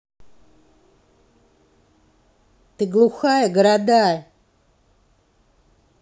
ты глухая города